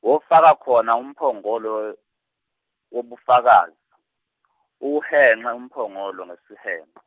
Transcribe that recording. wofaka khona umphongolo , wobufakazi, uwuhenqe umphongolo ngesihenqo.